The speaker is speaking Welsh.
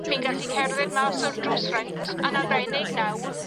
chi'n gallu cerdded mas o'r drws ffrynt yn arbennig now